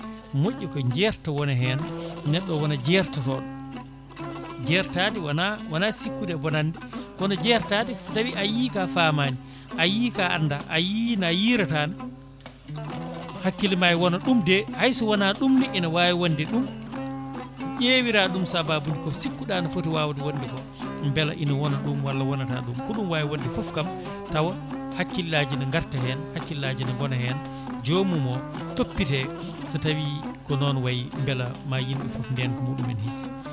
moƴƴi ko jerto wona hen neɗɗo wona jertotoɗo jertade wona wona sikkude bonande kono jertade so tawi a yii ka famani a yii ka anda a yii na yiiratano hakkille ma wona ɗum de hayso wona ɗumne ene wawi wonde ɗum ƴewiraɗum sababude ko sikkuɗa ne footi wawde wonde ko beela ina wona ɗum walla wonata ɗum ko ɗum wawi wonde fofo kam tawa hakkillaji ne garta hen hakkillaji ne goona hen jomum o toppite so tawi ko noon wayi beela ma yimɓe foof nden ko muɗumen hiis